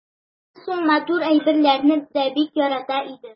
Аннан соң матур әйберләрне дә бик ярата идем.